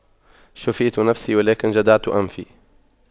شفيت نفسي ولكن جدعت أنفي